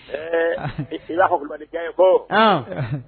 Ɛɛ i i b'a fɔ Kulibalikɛ ye ko ɔnnn